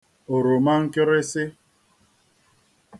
òròma nkịrịsị